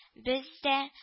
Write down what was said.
- бездә